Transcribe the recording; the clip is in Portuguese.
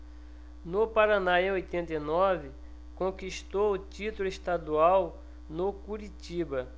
no paraná em oitenta e nove conquistou o título estadual no curitiba